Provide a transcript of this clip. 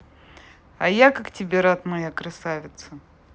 а я как тебе рад моя красавица